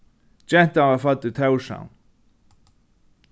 gentan varð fødd í tórshavn